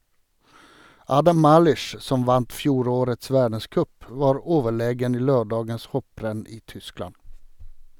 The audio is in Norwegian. Adam Malysz, som vant fjorårets verdenscup, var overlegen i lørdagens hopprenn i Tyskland.